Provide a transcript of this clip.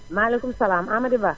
maalekum salaam Amady Ba